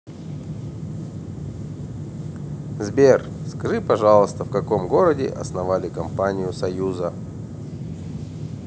сбер скажи пожалуйста в каком городе основали компанию союза